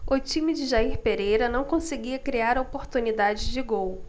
o time de jair pereira não conseguia criar oportunidades de gol